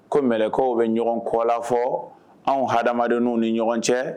Ko mkaww bɛ ɲɔgɔn kɔ la fɔ anw hadamadenww ni ɲɔgɔn cɛ